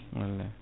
wallahi